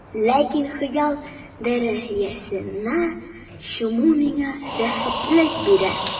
Ләкин хыял дәрьясына чуму миңа рәхәтлек бирә.